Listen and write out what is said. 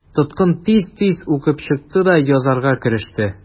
Тоткын тиз-тиз укып чыкты да язарга кереште.